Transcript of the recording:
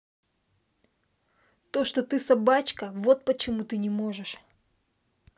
то что ты собачка вот почему ты не можешь